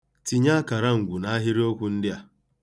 Tinye akarangwu n'ahịrịokwu ndị a.